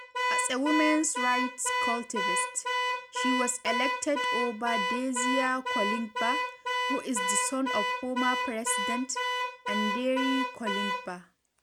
As a women’s rights activist, she was elected over Désiré Kolingba, who is the son of former president, André Kolingba.